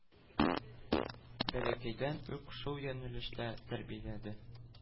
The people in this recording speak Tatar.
Бәләкәйдән үк шул юнәлештә тәрбияләде.